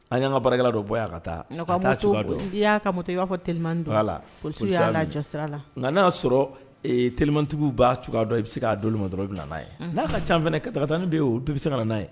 An y'an ka barakɛla dɔ bɔ yan ka taa n'i y'a ka moto ye i b'a fɔ telimanni dɔ, voila, polices y'a lajɔ sira la nka n'a y'a sɔrɔ telimannitigiw b'a cogoya dɔn i bɛ se k'a d'olu ma dɔrɔn u bɛ na n'a ye, n'a ka ca fana katakatanin bɛ yen olu bɛɛ bɛ se ka na n'a ye